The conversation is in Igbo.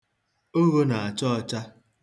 Ogho na-acha ọcha.